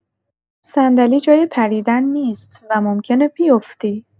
صندلی جای پریدن نیست و ممکنه بیفتی.